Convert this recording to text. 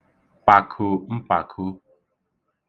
pàkò mpàkō